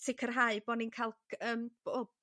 sicrhau bo'n ni'n ca'l yym